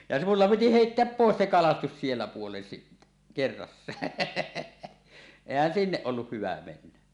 ja minulla piti heittää pois se kalastus siellä puolen sitten kerrassaan eihän sinne ollut hyvä mennä